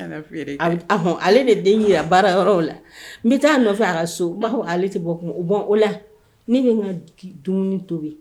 Ka na feere kɛ, ɔhɔ ale de den ye baarayɔrɔw la n bɛ nɔfɛ a ka so n b'a fɔ ale tɛ bɔ tun bon o la ne bɛ n ka dumuni tobi